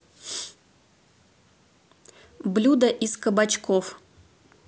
блюда из кабачков